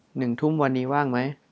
หนึ่งทุ่มวันนี้ว่างไหม